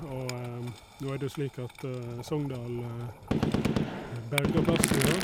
Og nå er det jo slik at Sogndal berga plassen i år.